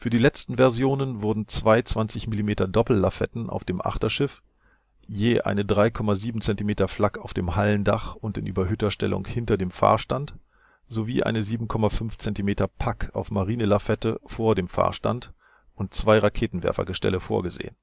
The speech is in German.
die letzten Versionen wurden zwei 20 mm Doppellafetten auf dem Achterschiff, je eine 3,7 cm Flak auf dem Hallendach und in überhöhter Stellung hinter dem Fahrstand sowie eine 7,5 cm Pak auf Marinelafette vor dem Fahrstand sowie zwei Raketenwerfergestelle vorgesehen